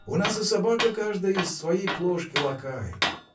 У нас и собака каждая из своей плошки лакает.